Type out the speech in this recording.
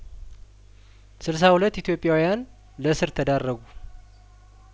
ስልሳ ሁለት ኢትዮጵያውያን ለስር ተዳረጉ